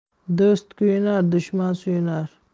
do'st kuyunar dushman suyunar